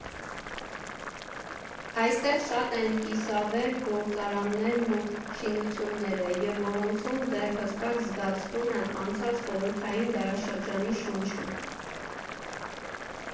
Այստեղ շատ են կիսավեր գործարաններն ու շինությունները, և որոնցում դեռ հստակ զգացվում է անցած խորհրդային դարաշրջանի շունչը։